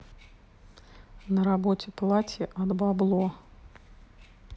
на работе платья от бабло